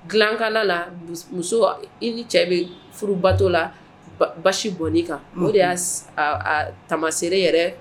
Dilankala la muso i ni cɛ bɛ furu bato la basi bɔn kan o de y'a tama seere yɛrɛ